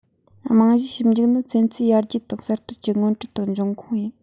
རྨང གཞིའི ཞིབ འཇུག ནི ཚན རྩལ ཡར རྒྱས དང གསར གཏོད ཀྱི སྔོན ཁྲིད དང འབྱུང ཁུངས ཡིན